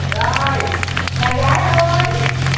rồi nhà gái ơi